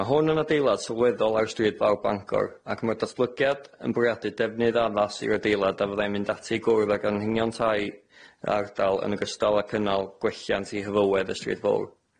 Ma' hwn yn adeilad sylweddol ar stryd fowr Bangor ac ma'r datblygiad yn bwriadu defnydd addas i'r adeilad a fyddai'n mynd ati i gwrdd ag anhigion tai y ardal yn ogystal ac ynnal gwelliant i heddywedd y stryd fowr.